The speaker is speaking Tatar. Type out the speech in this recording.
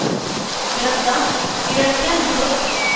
Бераздан: “Өйрәткән булып,